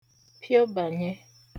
piobànye